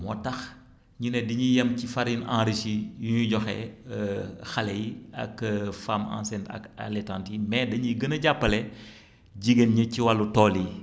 moo tax ñu ne dañuy yam ci farine enrichie yu ñuy joxe xale yi ak femmes enceintes ak allaitantes yi mais da ñuy gën a jàppale jigéen ñi ci wàllu tool yi